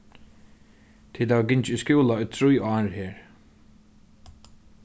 tit hava gingið í skúla í trý ár her